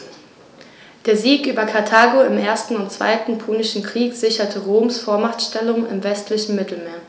Der Sieg über Karthago im 1. und 2. Punischen Krieg sicherte Roms Vormachtstellung im westlichen Mittelmeer.